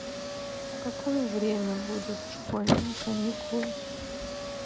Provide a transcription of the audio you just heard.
в какое время будут школьные каникулы